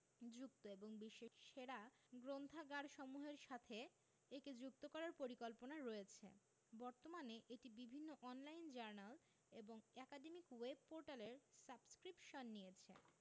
যুক্ত এবং বিশ্বের সেরা গ্রন্থাগারসমূহের সাথে একে যুক্ত করার পরিকল্পনা রয়েছে বর্তমানে এটি বিভিন্ন অন লাইন জার্নাল এবং একাডেমিক ওয়েব পোর্টালের সাবস্ক্রিপশান নিয়েছে